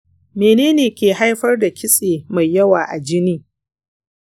menene ke haifar da kitse mai yawa a jini?